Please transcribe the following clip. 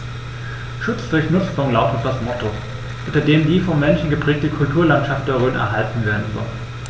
„Schutz durch Nutzung“ lautet das Motto, unter dem die vom Menschen geprägte Kulturlandschaft der Rhön erhalten werden soll.